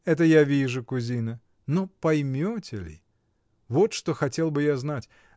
— Это я вижу, кузина; но поймете ли? — вот что хотел бы я знать!